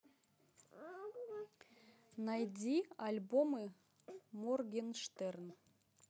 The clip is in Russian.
найди альбомы моргенштерн